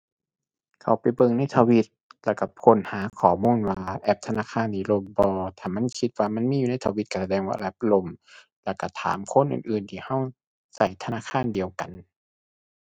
เข้าไปเบิ่งในทวิต แล้วก็ค้นหาข้อมูลว่าแอปธนาคารนี้ล่มบ่ ถ้ามันคิดว่ามันมีอยู่ในทวิตก็แสดงว่าแอปล่ม แล้วก็ถามคนอื่นอื่นที่ก็ก็ธนาคารเดียวกัน